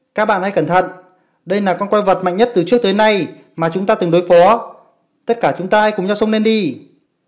hắn rất mạnh tất cả hãy cùng lên